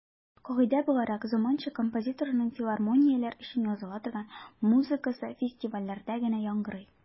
Кагыйдә буларак, заманча композиторларның филармонияләр өчен языла торган музыкасы фестивальләрдә генә яңгырый.